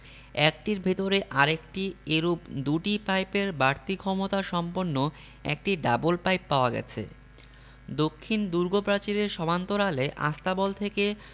একটির ভেতরে আরেকটি এরূপ দুটি পাইপের বাড়তি ক্ষমতা সম্পন্ন একটি ডাবল পাইপ পাওয়া গেছে দক্ষিণ দুর্গপ্রাচীরের সমান্তরালে আস্তাবল থেকে